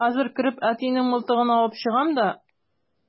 Хәзер кереп әтинең мылтыгын алып чыгам да...